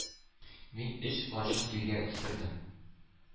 Мин өч лачын илгә үстердем.